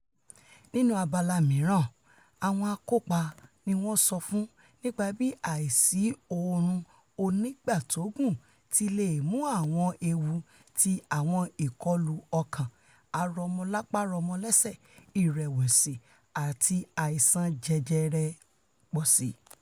nínú abala mìíràn, àwọn akópa níwọ́n sọ fún nípa bí àìsí oorun onígbàtógùn ti leè mú àwọn ewu ti àwọn ìkọlù ọkàn, arọmọlápá-rọlẹ́sẹ̀, ìrẹ̀wẹ̀sí àti àìsàn jẹjẹrẹ pọ̀síi.